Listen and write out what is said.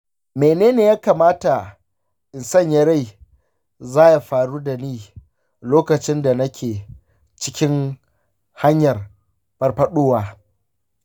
mene ne ya kamata in sanya rai za ya faru da ni lokacin da nake cikin hanyar farfadowa?